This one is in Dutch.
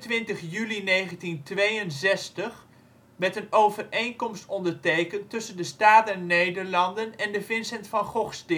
21 juli 1962 werd een overeenkomst ondertekend tussen de Staat der Nederlanden en de Vincent van Gogh